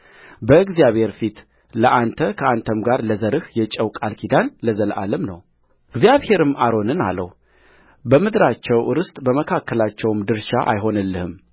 በእግዚአብሔር ፊት ለአንተ ከአንተም ጋር ለዘርህ የጨው ቃል ኪዳን ለዘላለም ነውእግዚአብሔርም አሮንን አለው በምድራቸው ርስት በመካከላቸውም ድርሻ አይሆንልህም